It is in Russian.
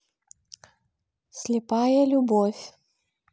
слепая любовь